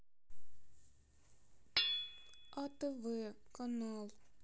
атв канал